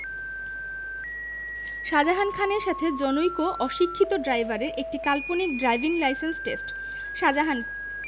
শাজাহান খানের সাথে জনৈক অশিক্ষিত ড্রাইভারের একটি কাল্পনিক ড্রাইভিং লাইসেন্স টেস্ট শাজাহান